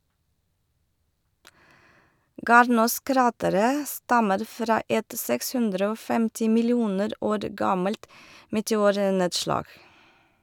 Gardnoskrateret stammer fra et 650 millioner år gammelt meteornedslag.